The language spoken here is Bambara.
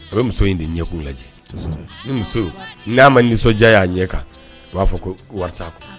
A bɛ muso in de ɲɛkun lajɛ ni muso n'a ma nisɔndiya y'a ɲɛ kan u b'a fɔ ko wari